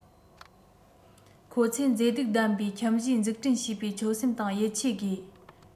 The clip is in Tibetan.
ཁོ ཚོས མཛེས སྡུག ལྡན པའི ཁྱིམ གཞིས འཛུགས སྐྲུན བྱེད པའི ཆོད སེམས དང ཡིད ཆེས དགོས